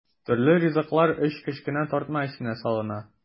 Төрле ризыклар өч кечкенә тартма эченә салына.